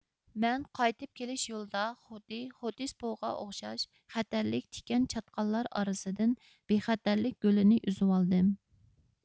مەن قايتىپ كېلىش يولىدا خۇددى خوتسپوغا ئوخشاش خەتەرلىك تىكەن چاتقاللار ئارىسىدىن بىخەتەرلىك گۈلىنى ئۈزۈۋالدىم